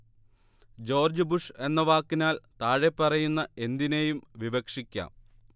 George Bush എന്ന വാക്കിനാൽ താഴെപ്പറയുന്ന എന്തിനേയും വിവക്ഷിക്കാം